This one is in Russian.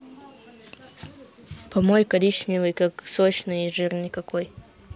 помой коричневый как сочный и жирный какой